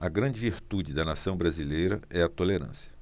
a grande virtude da nação brasileira é a tolerância